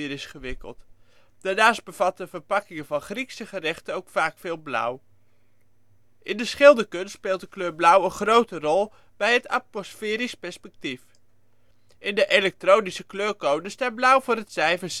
is gewikkeld. Daarnaast bevatten verpakkingen van Griekse gerechten ook vaak veel blauw. In de schilderkunst speelt de kleur blauw een grote rol bij het atmosferisch perspectief. In de elektronische kleurcode staat blauw voor het cijfer